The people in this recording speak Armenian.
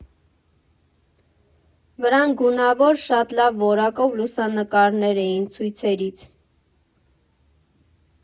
Վրան գունավոր, շատ լավ որակով լուսանկարներ էին ցույցերից։